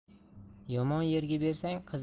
yomon yerga bersang qizni